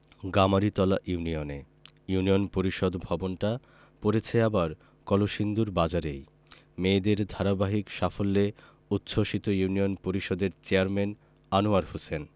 গামারিতলা ইউনিয়নে ইউনিয়ন পরিষদ ভবনটা পড়েছে আবার কলসিন্দুর বাজারেই মেয়েদের ধারাবাহিক সাফল্যে উচ্ছ্বসিত ইউনিয়ন পরিষদের চেয়ারম্যান আনোয়ার হোসেন